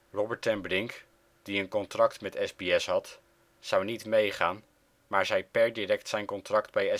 Robert ten Brink, die een contract met SBS had, zou niet mee gaan maar zei per direct zijn contract bij